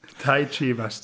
Tai chi master?